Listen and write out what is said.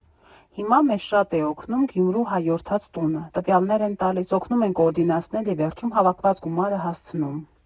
Հիմա մեզ շատ է օգնում Գյումրու հայորդաց տունը՝ տվյալներ են տալիս, օգնում են կոորդինացնել և վերջում հավաքված գումարը հասցնում։